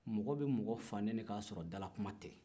mɔgɔ bɛ mɔgɔ fa neni ka sɔrɔ dalakuma tɛ